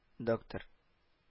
Доктор